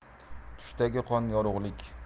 tushdagi qon yorug'lik